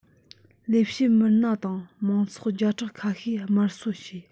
ལས བྱེད མི སྣ དང མང ཚོགས བརྒྱ ཕྲག ཁ ཤས དམར གསོད བྱས